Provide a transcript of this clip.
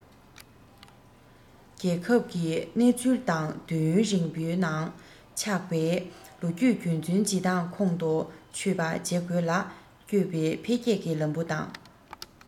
རྒྱལ ཁབ ཀྱི གནས ཚུལ དང དུས ཡུན རིང པོའི ནང ཆགས པའི ལོ རྒྱུས རྒྱུན འཛིན བྱེད སྟངས ཁོང དུ ཆུད པ བྱེད དགོས ལ བསྐྱོད པའི འཕེལ རྒྱས ཀྱི ལམ བུ དང